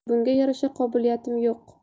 bunga yarasha qobiliyatim yo'q